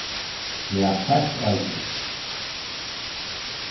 ja heilt avgjørt